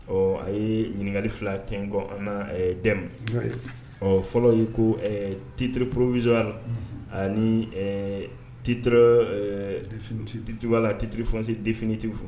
Ɔ a ye ɲininkali 2 tengo an na Dɛmu ɔ fɔlɔ ye ko titre provisoire ani titre foncier définitif